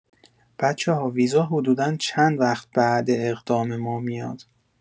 بچه‌ها ویزا حدودا چند وقت بعد اقدام ما میاد؟